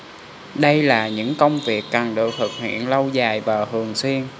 đây là những công việc cần được thực hiện lâu dài và thường xuyên